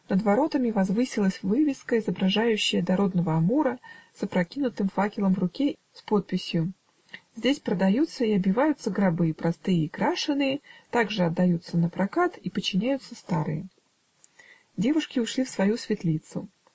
Над воротами возвысилась вывеска, изображающая дородного Амура с опрокинутым факелом в руке, с подписью: "Здесь продаются и обиваются гробы простые и крашеные, также отдаются напрокат и починяются старые". Девушки ушли в свою светлицу.